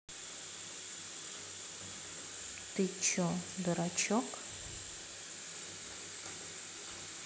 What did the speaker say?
ты че дурачок